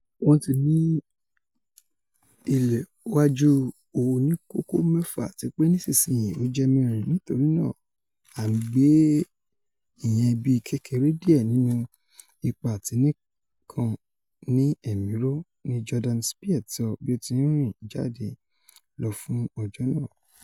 Wọ́n ti ní ìléwájú oníkókó-mẹ́fà àtipé nísinsìnyí ó jẹ́ mẹ́rin, nítorínáà a ńgbé ìyẹn bíi kékeré díẹ̀ nínú ipá-atini kan ní Èmi rò,'' ni Jordan Spieth sọ bí ó tì rìn jáde lọ fún ọjọ́ náà.